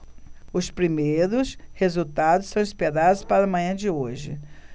os primeiros resultados são esperados para a manhã de hoje